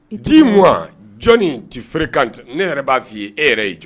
Dis moi jɔnni tu fréquentes ne yɛrɛ ba fɔ i ye ,e yɛrɛ ye jɔn ye.